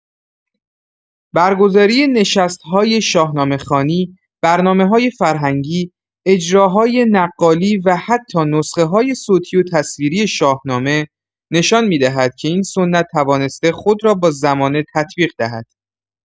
برگزاری نشست‌های شاهنامه‌خوانی، برنامه‌‌های فرهنگی، اجراهای نقالی و حتی نسخه‌های صوتی و تصویری شاهنامه، نشان می‌دهد که این سنت توانسته خود را با زمانه تطبیق دهد.